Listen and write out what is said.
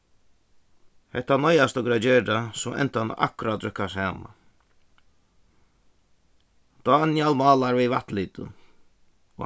hetta noyðast okur at gera so endarnir akkurát røkka saman dánjal málar við vatnlitum